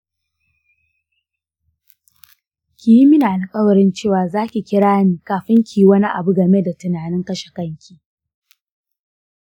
ki yi mini alkawari cewa za ki kira ni kafin ki yi wani abu game da tunanin kashe kanki.